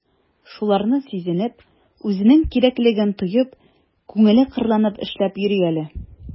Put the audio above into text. Шуларны сизенеп, үзенең кирәклеген тоеп, күңеле кырланып эшләп йөри әле...